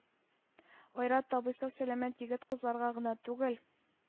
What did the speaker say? Айрат абый сау-сәламәт егет-кызларга гына түгел,